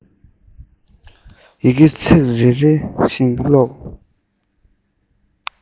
ཡི གེ ཚིག རེ རེ བཞིན ཀློག